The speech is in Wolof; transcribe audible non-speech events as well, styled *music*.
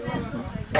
*hesitation* *hesitation* *crosstalk*